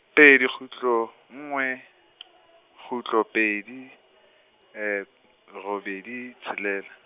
pedi kgutlo nngwe , kgutlo pedi, robedi tshelela.